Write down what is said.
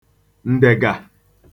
ǹdègà